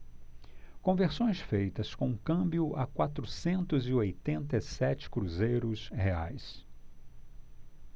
conversões feitas com câmbio a quatrocentos e oitenta e sete cruzeiros reais